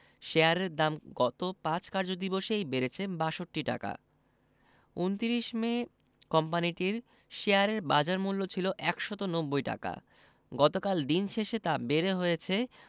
শেয়ারের দাম গত ৫ কার্যদিবসেই বেড়েছে ৬২ টাকা ২৯ মে কোম্পানিটির শেয়ারের বাজারমূল্য ছিল ১৯০ টাকা গতকাল দিন শেষে তা বেড়ে হয়েছে